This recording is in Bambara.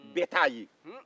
bɛɛ t'a ye